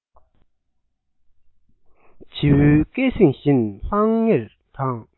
བྱེའུའི སྐད གསེང བཞིན སྙན ལྷང ངེར དང